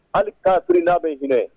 Hali ka biri n'a bɛ hinɛ